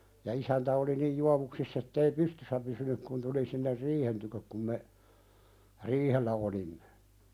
ja isäntä oli niin juovuksissa että ei pystyssä pysynyt kun tuli sinne riihen tykö kun me riihellä olimme